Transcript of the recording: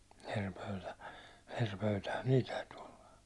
eri pöytä eri pöytähän niillä täytyi olla